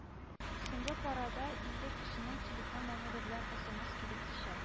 Соңгы парада илле кешенең телефон номеры белән смс килеп төшә